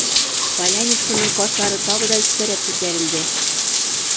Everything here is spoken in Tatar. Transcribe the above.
Поляницаның кашлары тагы да өскәрәк күтәрелде.